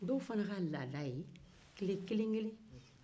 dɔw fana ka laada ye tile kelen-kelen